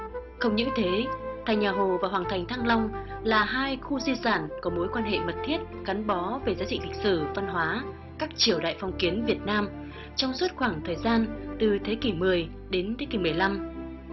không những thế thành nhà hồ và hoàng thành thăng long là hai khu di sản có mối quan hệ mật thiết gắn bó về giá trị lịch sử văn hóa các triều đại phong kiến việt nam trong suốt khoảng thời gian từ thế kỷ mười đến thế kỷ mười lăm